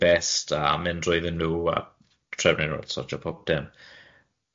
e-biyt a mynd drwydden nw a trefnu nw a sortio pop dim.